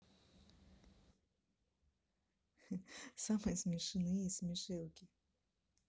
самые смешные смешилки